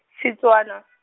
Setswana .